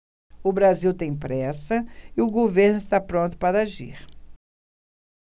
o brasil tem pressa e o governo está pronto para agir